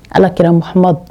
Alakirahamadu